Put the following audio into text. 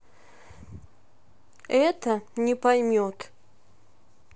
это не поймет